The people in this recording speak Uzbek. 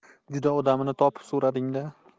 juda odamini topib so'rading da